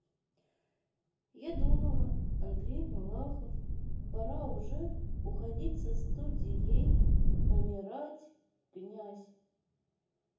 я думала андрей малахов пора уже уходить со студией помирать князь